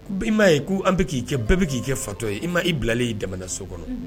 I m'a ye an bɛ k'i kɛ bɛɛ bɛ k'i kɛ fatɔ ye i ma i bilalen y'i damana so kɔnɔ